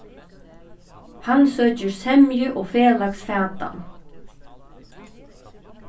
hann søkir semju og felags fatan